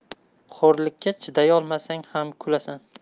xo'rlikka chidayolmasang xam kulasan